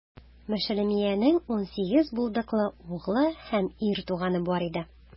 Мешелемиянең унсигез булдыклы углы һәм ир туганы бар иде.